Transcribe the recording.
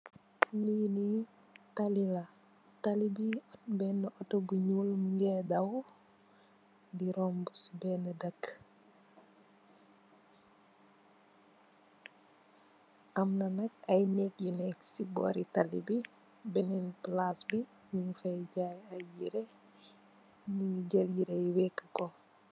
Leene tali la, talibe bena otu bu njol muge daw de rombu se bena deke, amna nak ak neek yu neka se bore talibe benen plass be mugfay jaye aye yereh nuge jel yereh ye wekah.